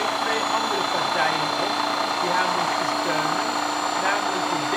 twee andere partijen op, die haar moesten steunen, namelijk de